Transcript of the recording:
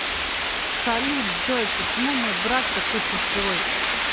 салют джой почему мой брат такой тупой